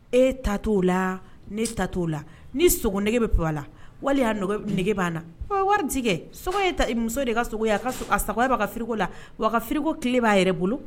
E ta to la ta to la ni sogo nege bɛ a la wali'a nege b'a la wari tɛkɛ muso de ka a sago bɛ kako la wa kako tile b'a yɛrɛ bolo